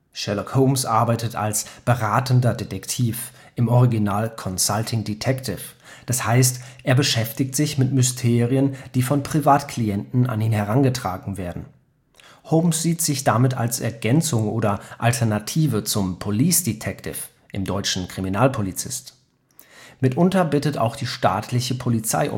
Sherlock Holmes arbeitet als „ beratender Detektiv “(im Original: „ consulting detective “), das heißt, er beschäftigt sich mit Mysterien, die von Privatklienten an ihn herangetragen werden. Holmes sieht sich damit als Ergänzung oder Alternative zum police detective (dt.: Kriminalpolizist). Mitunter bittet auch die staatliche Polizei